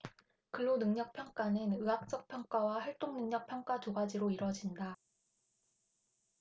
근로능력평가는 의학적 평가와 활동능력 평가 두 가지로 이뤄진다